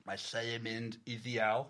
Mae Lleu yn mynd i ddial.